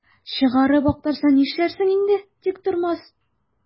Чыгарып актарса, нишләрсең инде, Тиктормас?